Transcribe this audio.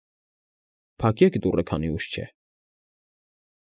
Փակեք դուռը, քանի ուշ չէ։